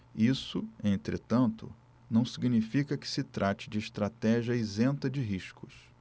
isso entretanto não significa que se trate de estratégia isenta de riscos